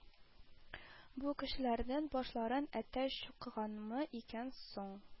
Бу кешеләрнең башларын әтәч чукыганмы икән соң